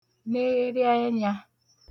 negherị ẹnyā